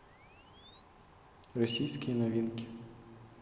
российские новинки